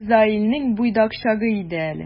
Изаилнең буйдак чагы иде әле.